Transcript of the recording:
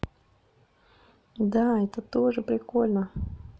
да это тоже прикольно